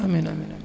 amiin amiin amiin